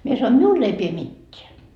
minä sanoin minulle ei pidä mitään